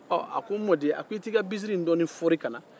ɔ a ko n mɔden a ko i t'i ka binsiri dɔɔni fɔri ka na